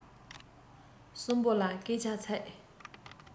གསུམ པོ ལ སྐད ཆ ཚིག